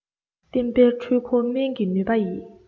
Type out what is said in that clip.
གཏེམ པའི འཁྲུལ འཁོར སྨན གྱི ནུས པ ཡིས